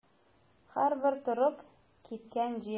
Һәрбер торып киткән җир.